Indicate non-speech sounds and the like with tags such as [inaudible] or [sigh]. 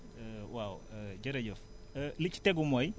[hesitation] waaw [hesitation] jërëjëf [hesitation] li ci tegu mooy